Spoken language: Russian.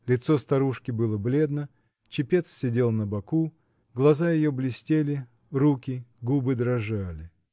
Лицо старушки было бледно, чепец сидел набоку, глаза ее блестели, руки, губы дрожали.